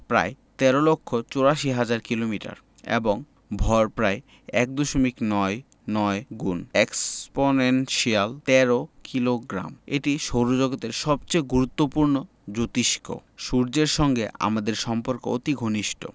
প্রায় ১৩ লক্ষ ৮৪ হাজার কিলোমিটার এবং ভর প্রায় এক দশমিক নয় নয় গুন এক্সপনেনশিয়াল ১৩ কিলোগ্রাম এটি সৌরজগতের সবচেয়ে গুরুত্বপূর্ণ জোতিষ্ক সূর্যের সঙ্গে আমাদের সম্পর্ক অতি ঘনিষ্ট